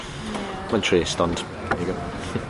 Ie. Ma'n trist ond there you go.